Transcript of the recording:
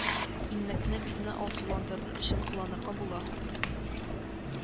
Иннекне битне алсуландырыр өчен кулланырга була